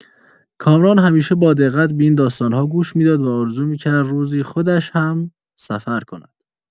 کامران همیشه با دقت به این داستان‌ها گوش می‌داد و آرزو می‌کرد روزی خودش هم‌سفر کند.